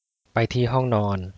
ไปที่ห้องนอน